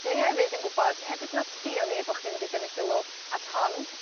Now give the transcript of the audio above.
Dwi hefyd yn gwbod hefyd nath sbïo ni bo' chdi mynd i dynnu silw at hon